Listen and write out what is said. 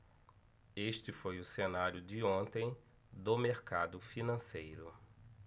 este foi o cenário de ontem do mercado financeiro